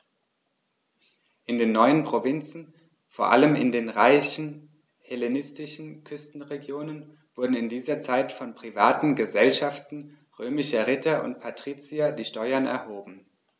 In den neuen Provinzen, vor allem in den reichen hellenistischen Küstenregionen, wurden in dieser Zeit von privaten „Gesellschaften“ römischer Ritter und Patrizier die Steuern erhoben.